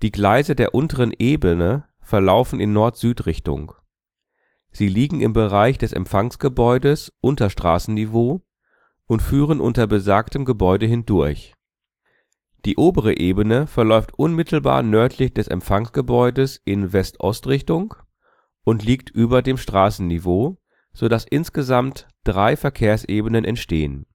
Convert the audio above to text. Gleise der unteren Ebene verlaufen in Nord-Süd-Richtung. Sie liegen im Bereich des Empfangsgebäudes unter Straßenniveau und führen unter besagtem Gebäude hindurch. Die obere Ebene verläuft unmittelbar nördlich des Empfangsgebäudes in West-Ost-Richtung und liegt über Straßenniveau, so dass insgesamt drei Verkehrsebenen entstehen